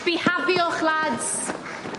Bihafiwch lads.